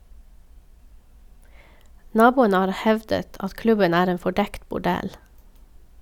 Naboene har hevdet at klubben er en fordekt bordell.